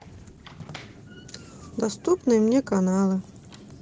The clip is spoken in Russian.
доступные мне каналы